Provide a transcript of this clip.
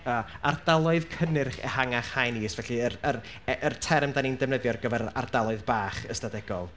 a ardaloedd cynnyrch ehangach haen is, felly yr yr e- yr term da ni'n ei ddefnyddio ar gyfer ardaloedd bach ystadegol.